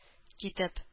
Китеп